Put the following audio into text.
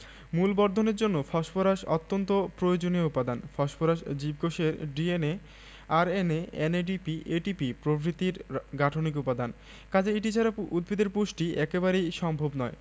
মূল বর্ধনের জন্য ফসফরাস অত্যন্ত প্রয়োজনীয় উপাদান ফসফরাস জীবকোষের DNA RNA NADP ATP প্রভৃতির গাঠনিক উপাদান কাজেই এটি ছাড়া উদ্ভিদের পুষ্টি একেবারেই সম্ভব নয়